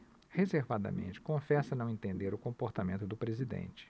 reservadamente confessa não entender o comportamento do presidente